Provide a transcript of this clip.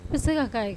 I tɛ se ka ka ɲi